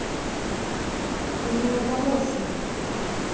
это же мой помощник